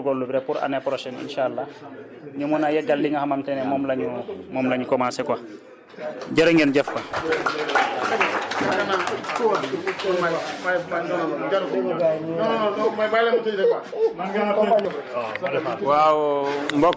ngeen gën a yokk góorgóorlu bi rek pour année prochaine incha allah ñu mun a yeggali li nga xamante ne moom la ñu moom la ñu commencé quoi jërë ngeen jëf quoi